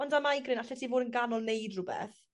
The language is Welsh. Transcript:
ond 'da migraine allet ti fod yn ganol neud rwbeth...